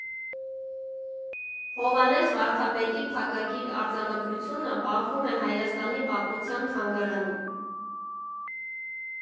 Հովհաննես վարդապետի փակագիր արձանագրությունը պահվում է Հայաստանի պատմության թանգարանում։